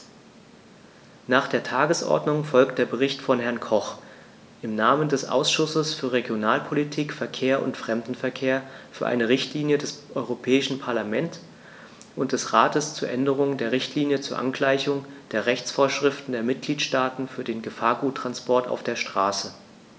Nach der Tagesordnung folgt der Bericht von Herrn Koch im Namen des Ausschusses für Regionalpolitik, Verkehr und Fremdenverkehr für eine Richtlinie des Europäischen Parlament und des Rates zur Änderung der Richtlinie zur Angleichung der Rechtsvorschriften der Mitgliedstaaten für den Gefahrguttransport auf der Straße.